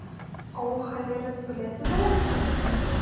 Авыл хәлләрен беләсез алайса?